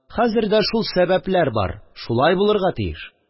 Хәзер дә шул сәбәпләр бар, шулай булырга тиеш